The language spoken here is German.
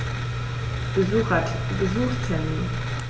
Besuchstermin